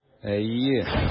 Әйе.